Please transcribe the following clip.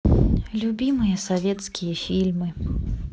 любимые советские фильмы